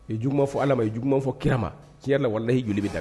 I ye juguman fɔ Ala ma , i ye juguman fɔ kira ma .Tiɲɛ yɛrɛ la walahi i joli bi da.